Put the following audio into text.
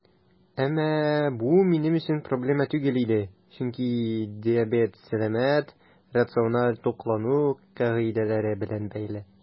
Әмма бу минем өчен проблема түгел иде, чөнки диабет сәламәт, рациональ туклану кагыйдәләре белән бәйле.